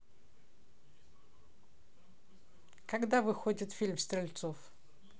когда выходит фильм стрельцов